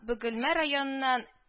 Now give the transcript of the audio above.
– бөгелмә районыннан